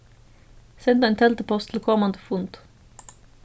send ein teldupost til komandi fund